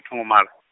tho ngo mala.